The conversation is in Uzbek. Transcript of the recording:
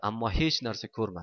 ammo hech narsa ko'rmadi